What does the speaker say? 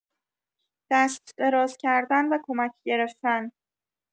دست دراز کردن و کمک گرفتن